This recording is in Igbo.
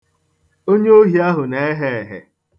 Onye ohi ahụ na-ehe ehe.